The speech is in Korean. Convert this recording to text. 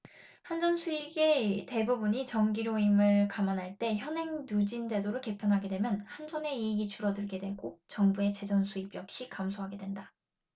한전 수익의 대부분이 전기료임을 감안할 때 현행 누진제도를 개편하게 되면 한전의 이익이 줄어들게 되고 정부의 재정수입 역시 감소하게 된다